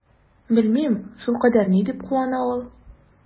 Белмим, шулкадәр ни дип куана ул?